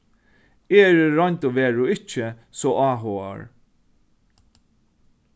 eg eri í roynd og veru ikki so áhugaður